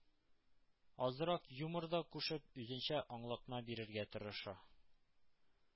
Азрак юмор да кушып, үзенчә аңлатма бирергә тырыша: